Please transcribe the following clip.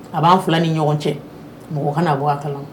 A b'an fila ni ɲɔgɔn cɛ mɔgɔ kana bɔ a kalan